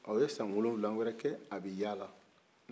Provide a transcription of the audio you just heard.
a ye san wolonwula wɛrɛ kɛ a bi yala